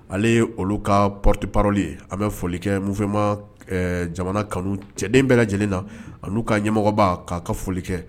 Ale olu kapteprli an bɛ foli kɛ mufɛma jamana kanu cɛden bɛɛ lajɛlen na ani ka ɲɛmɔgɔba ka'a ka foli kɛ